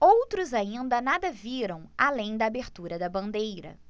outros ainda nada viram além da abertura da bandeira